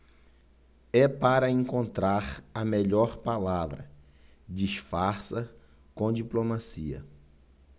é para encontrar a melhor palavra disfarça com diplomacia